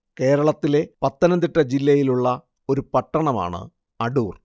കേരളത്തിലെ പത്തനംതിട്ട ജില്ലയിലുള്ള ഒരു പട്ടണമാണ് അടൂർ